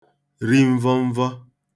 ri mvọmvọ